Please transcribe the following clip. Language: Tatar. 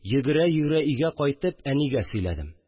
Йөгерә-йөгерә өйгә кайтып, әнигә сөйләдем